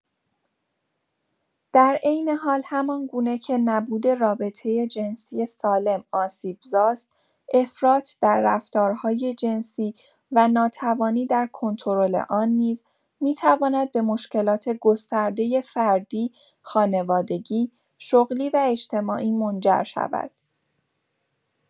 در عین حال، همان‌گونه که نبود رابطه جنسی سالم آسیب‌زاست، افراط در رفتارهای جنسی و ناتوانی در کنترل آن نیز می‌تواند به مشکلات گسترده فردی، خانوادگی، شغلی و اجتماعی منجر شود.